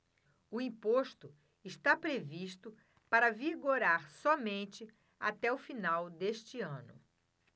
o imposto está previsto para vigorar somente até o final deste ano